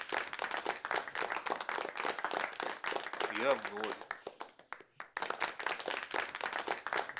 я многих